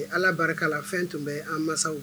Ala barika la fɛn tun bɛ an mansaw